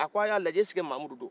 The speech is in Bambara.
a ko a y'a lajɛ est ce que mahamudu do